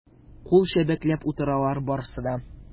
Кул чәбәкләп утыралар барысы да.